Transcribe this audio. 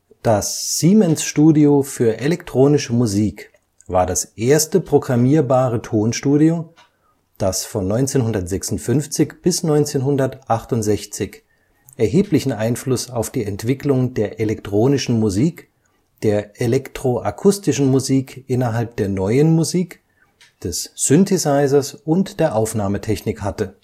Das Siemens-Studio für elektronische Musik war das erste programmierbare Tonstudio, das von 1956 bis 1968 erheblichen Einfluss auf die Entwicklung der Elektronischen Musik, der Elektroakustischen Musik innerhalb der Neuen Musik, des Synthesizers und der Aufnahmetechnik hatte